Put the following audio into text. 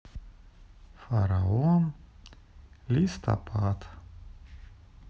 фараон листопад